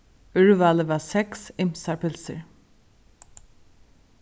úrvalið var seks ymsar pylsur